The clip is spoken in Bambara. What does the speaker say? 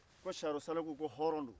ko siyaro saliku ko hɔrɔn don